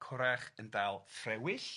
Corach yn dal ffrewyll.